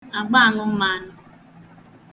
àgbaaṅụmmanụ